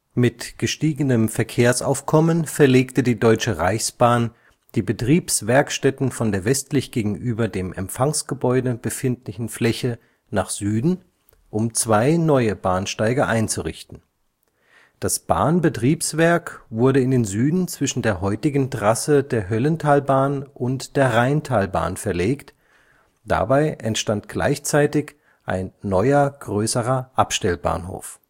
Mit gestiegenem Verkehrsaufkommen verlegte die Deutsche Reichsbahn die Betriebswerkstätten von der westlich gegenüber dem Empfangsgebäude befindliche Fläche nach Süden, um zwei neue Bahnsteige einzurichten. Das Bahnbetriebswerk wurde in den Süden zwischen der heutigen Trasse der Höllentalbahn und der Rheintalbahn verlegt, dabei entstand gleichzeitig ein neuer größerer Abstellbahnhof